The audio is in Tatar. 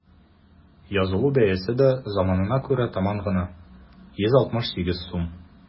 Язылу бәясе дә заманына күрә таман гына: 168 сум.